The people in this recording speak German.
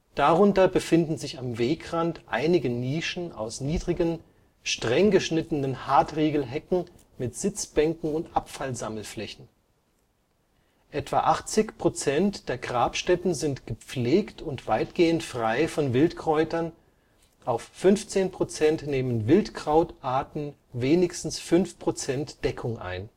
Darunter befinden sich am Wegrand einige Nischen aus niedrigen, streng geschnittenen Hartriegelhecken mit Sitzbänken und Abfallsammelflächen. Etwa 80 Prozent der Grabstätten sind gepflegt und weitgehend frei von Wildkräutern, auf 15 Prozent nehmen Wildkrautarten wenigstens 5 Prozent Deckung ein